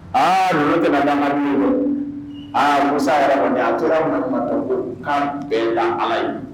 Aa ninnu tɛna danga bilen dɛ! aa furusa yɛrɛ kɔnni a tora maɲumatɔ ko, kan bɛɛ Ala ye.